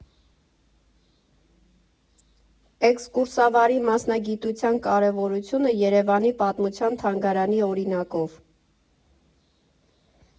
Էքսկուրսավարի մասնագիտության կարևորությունը Երևանի պատմության թանգարանի օրինակով։